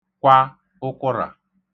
kwa ụkwə̣rà